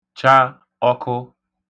cha ọkụ